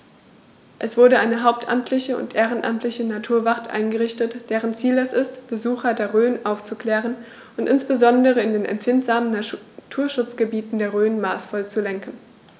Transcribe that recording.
Es wurde eine hauptamtliche und ehrenamtliche Naturwacht eingerichtet, deren Ziel es ist, Besucher der Rhön aufzuklären und insbesondere in den empfindlichen Naturschutzgebieten der Rhön maßvoll zu lenken.